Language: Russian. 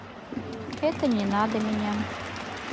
это не надо меня